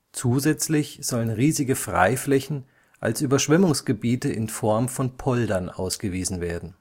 Zusätzlich sollen riesige Freiflächen als Überschwemmungsgebiete in Form von Poldern ausgewiesen werden